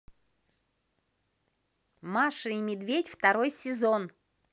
маша и медведь второй сезон